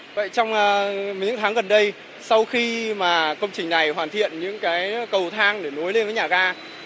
vậy trong a những tháng gần đây sau khi mà công trình này hoàn thiện những cái cầu thang để nối lên với nhà ga